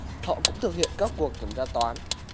họ cũng thực hiện các cuộc kiểm tra toán